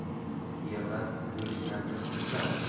yig'lab ko'rishgandirsizlar